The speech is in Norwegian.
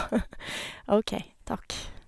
OK, takk.